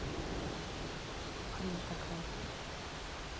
хрень какая то